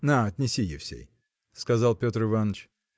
– На, отнеси, Евсей, – сказал Петр Иваныч.